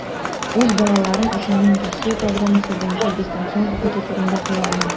Үз балаларым өчен мин Россия программасы буенча дистанцион укыту турында хыялланам.